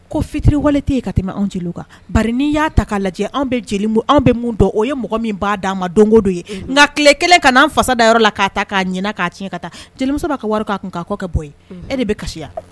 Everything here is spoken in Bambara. Ko fitiriwale tɛ yen ka tɛmɛ anw jeliw kan ba n'i y'a ta' lajɛ anw bɛ jeli anw bɛ mun dɔn o ye mɔgɔ min b'a d'a ma donkodo ye nka tile kelen ka'an fasa dayɔrɔ la k'a'a ɲɛna k'a tiɲɛ ka taa jelimuso' ka wari ka kun' kɔ kɛ bɔ ye e de bɛ kasiya